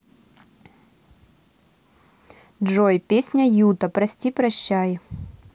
джой песня юта прости прощай